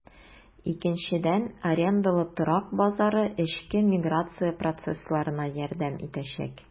Икенчедән, арендалы торак базары эчке миграция процессларына ярдәм итәчәк.